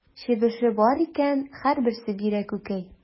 Чебеше бар икән, һәрберсе бирә күкәй.